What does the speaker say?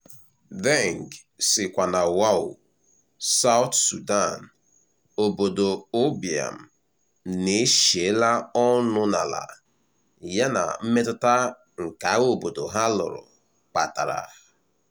Deng sikwa na Wau, South Sudan, obodo ụbịam na-eshiela ọnụ n’ala yana mmetụta nke agha obodo ha lụrụ kpatara